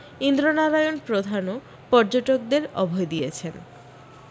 ইন্দ্রনারায়ণ প্রধানও পর্যটকদের অভয় দিয়েছেন